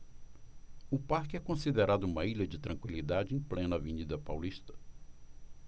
o parque é considerado uma ilha de tranquilidade em plena avenida paulista